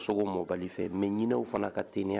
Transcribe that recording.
Sogo mɔbili fɛ mɛ ɲinininɛw fana ka t